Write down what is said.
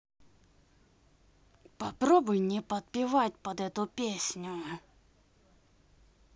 попробуй не подпевать под эту песню